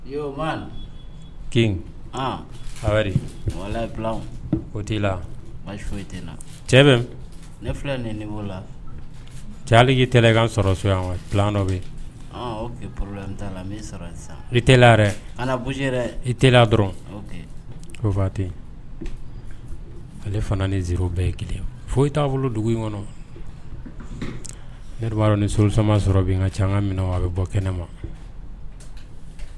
Kin cɛ' tɛ sɔrɔ yan dɔ bɛ i dɔrɔn ale fana ni bɛɛ ye kelen foyi i t'a bolo dugu in kɔnɔ nima sɔrɔ ka ca minɛ a bɛ bɔ kɛnɛ ma